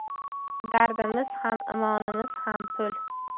dardimiz ham imonimiz ham pul